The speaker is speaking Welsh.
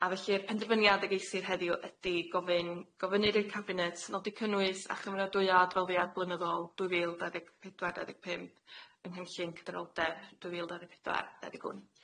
A felly'r penderfyniad a geisir heddiw ydi gofyn- gofyn r- i'r Cabinet nodi cynnwys a chymeradwyo adroddiad blynyddol dwy fil dau ddeg pedwar dau ddeg pump yng nghynllun cydraddoldeb dwy fil dau ddeg pedwar dau ddeg wyth.